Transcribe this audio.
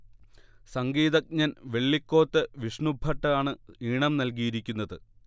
സംഗീതജ്ഞൻ വെള്ളിക്കോത്ത് വിഷ്ണുഭട്ട് ആണ് ഈണം നല്കിയിരിക്കുന്നത്